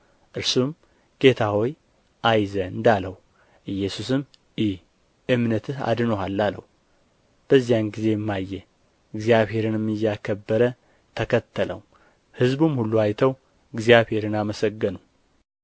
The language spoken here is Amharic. እርሱም ጌታ ሆይ አይ ዘንድ ነው አለው ኢየሱስም እይ እምነትህ አድኖሃል አለው በዚያን ጊዜም አየ እግዚአብሔንም እያከበረ ተከተለው ሕዝቡም ሁሉ አይተው እግዚአብሔርን አመሰገኑ